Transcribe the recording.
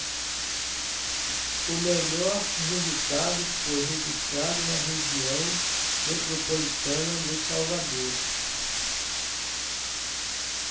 o melhor resultado foi registrado na região metropolitana de salvador